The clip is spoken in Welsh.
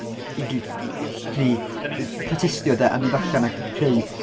Dy- gwneud... yr protestio 'de? A mynd allan a creu.